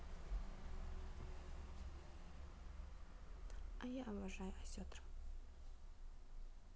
а я обожаю осетра